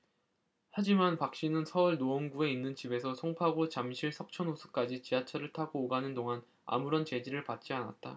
하지만 박씨는 서울 노원구에 있는 집에서 송파구 잠실 석촌호수까지 지하철을 타고 오가는 동안 아무런 제지를 받지 않았다